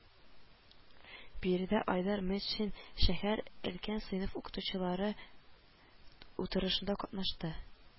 Биредә Айдар Метшин шәһәр Өлкән сыйныф укытучылары утырышында катнашты